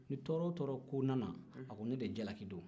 ni tɔrɔ o tɔɔrɔ ko nana a ko ne de jalaki do